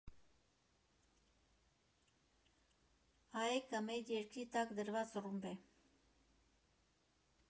«ԱԷԿ֊ը մեր երկրի տակ դրված ռումբ է».